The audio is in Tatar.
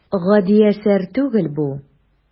Гади әсәр түгел бу.